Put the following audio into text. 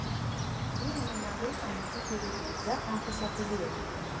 Դու ունենալու ես անհաջող ելույթներ, դա անխուսափելի է։